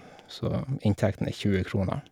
Så inntekten er tjue kroner.